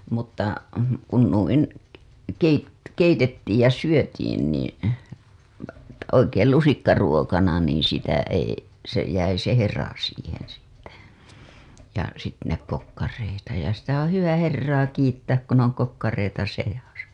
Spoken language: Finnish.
mutta kun noin - keitettiin ja syötiin niin oikein lusikkaruokana niin sitä ei se jäi se hera siihen sitten ja - ne kokkareita ja sitä on hyvä herraa kiittää kun on kokkareita seassa